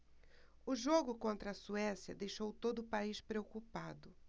o jogo contra a suécia deixou todo o país preocupado